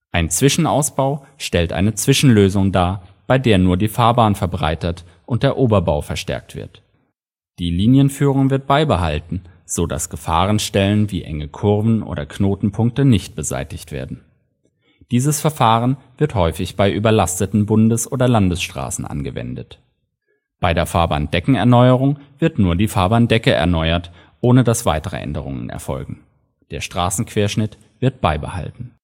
Ein Zwischenausbau stellt eine Zwischenlösung dar, bei der nur die Fahrbahn verbreitert und der Oberbau verstärkt wird. Die Linienführung wird beibehalten, sodass Gefahrenstellen wie enge Kurven oder Knotenpunkte, nicht beseitigt werden. Dieses Verfahren wird häufig bei überlasteten Bundes - und Landesstraßen angewendet. Bei der Fahrbahndeckenerneuerung wird nur die Fahrbahndecke erneuert, ohne dass weitere Änderungen erfolgen. Der Straßenquerschnitt wird beibehalten